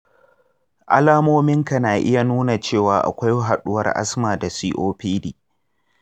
alamominka na iya nuna cewa akwai haɗuwar asma da copd.